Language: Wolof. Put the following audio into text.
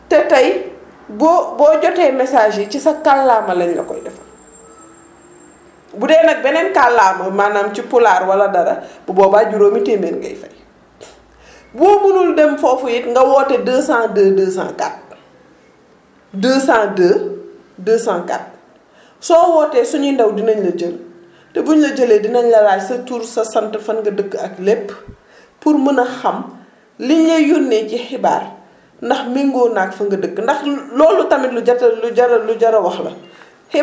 te tey boo boo jotee message yi ci sa kallaama lañ la koy jox bu dee nag beneen kallaama maanaam ci pulaar wala dara bu boobaa juróomi téeméer ngay fay boo mënul dem foofu it nga woote 202 204 202 204 soo wootee suñuy ndaw dinañ la jël te bu ñu la jëlee dinañ la laaj sa tur sa sant fan nga dëkk ak lépp pour mën a xam li ñu lay yónnee ci xibaar ndax méngoo naag fi nga dëkk ndax loolu tamit lu jot a lu jar a lu jar a wax la